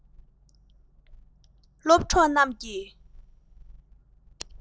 སློབ གྲོགས རྣམས ཀྱི